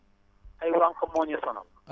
ay wànq moo ñu sonal